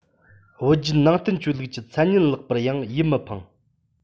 བོད བརྒྱུད ནང བསྟན ཆོས ལུགས ཀྱི མཚན སྙན བརླགས པར ཡང ཡིད མི ཕངས